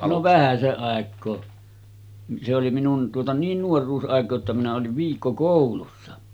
no vähäsen aikaa se oli minun tuota niin nuoruusaikaa että minä olin viikkokoulussa